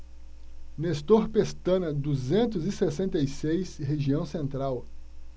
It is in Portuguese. nestor pestana duzentos e sessenta e seis região central